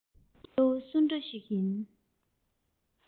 སྐྱེ བོ སུ འདྲ ཞིག ཡིན